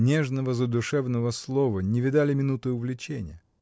— Нежного, задушевного слова, не видали минуты увлечения?